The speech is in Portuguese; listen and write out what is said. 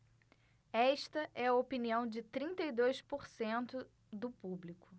esta é a opinião de trinta e dois por cento do público